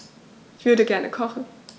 Ich würde gerne kochen.